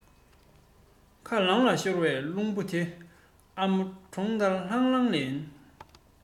ཁ ལངས ལ ཤོར བའི གླུ ཆུང དེ ཕ ཨ ཕ གྲོངས ཡང ལྷང ལྷང ལེན